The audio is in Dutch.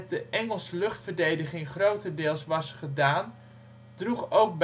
de Engelse luchtverdediging grotendeels was gedaan droeg ook